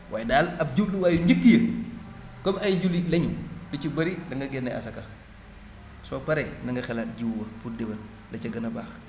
waaye daal ab jumtuwaay yu njëkk ya comme ay julit la ñu lu ci bëri da ngay génne asaka soo paree na nga xalaat jiwu ba pour déwén la ca gën a baax